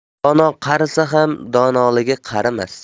dono qarisa ham donoligi qarimas